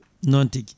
noon tigui